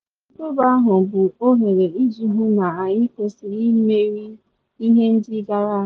“Mkpebi ahụ bụ ohere iji hụ na anyị kwesịrị imeri ihe ndị gara aga.”